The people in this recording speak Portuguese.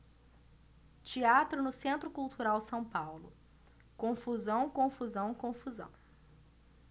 teatro no centro cultural são paulo confusão confusão confusão